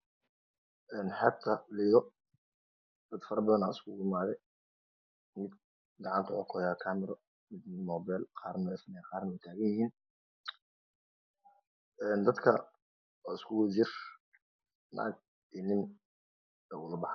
Xeebta liido dad farabadana iskugu imaaday mid gacanta wuxu kahayaa kamiro midna moobel qaarna ay fadhiyaan qarna taaganyihin dadka waa isku wadajir naag iyo nin sowadbaxay